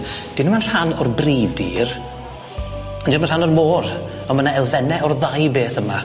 'Di n'w'm yn rhan o'r brif dir, ond dim yn rhan o'r môr, ond ma' 'na elfenne o'r ddau beth yma.